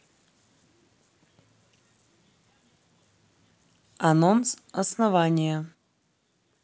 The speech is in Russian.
анонс основания